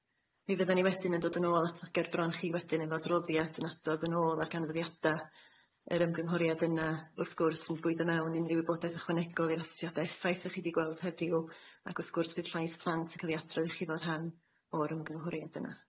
Mi fydden ni wedyn yn dod yn ôl at y- gerbron chi wedyn efo adroddiad yn adrodd yn ôl ar ganfyddiada' yr ymgynghoriad yna, wrth gwrs yn bwydo mewn unryw wybodaeth ychwanegol i'r asesiada' effaith dach chi 'di gweld heddiw, ac wrth gwrs bydd llais plant yn ca'l 'i adrodd i chi fel rhan o'r ymgynghoriad yna.